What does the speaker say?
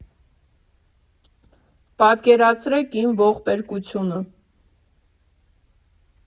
Պատկերացրեք իմ ողբերգությունը։